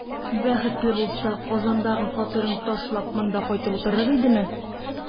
Бәхетле булса, Казандагы фатирын ташлап, монда кайтып утырыр идеме?